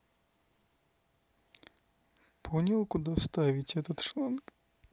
понял куда вставить этот шланг